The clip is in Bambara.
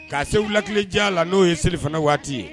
K'a se wulatileja la n'o ye selifana waati ye